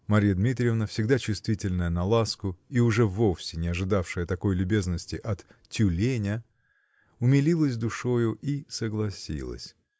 Марья Дмитриевна, всегда чувствительная на ласку и уже вовсе не ожидавшая такой любезности от "тюленя", умилилась душою и согласилась.